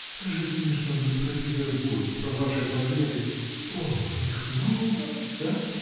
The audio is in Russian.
— Скажите мне что-нибудь про Петербург, про ваши победы: о, их много у вас? да?